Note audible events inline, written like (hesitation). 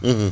(hesitation) (hesitation)